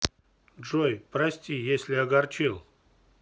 джой прости если огорчил